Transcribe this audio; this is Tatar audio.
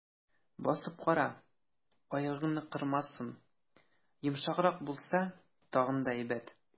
Басып кара, аягыңны кырмасын, йомшаграк булса, тагын да әйбәт.